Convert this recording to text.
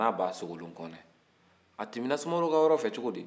a n'a ba ssogolon kɔnɛ a tɛmɛ na sumaworo ka yɔrɔ fɛ cogo di